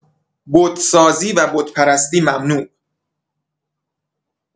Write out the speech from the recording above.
بت سازی و بت‌پرستی ممنوع